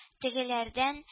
Тегеләрдән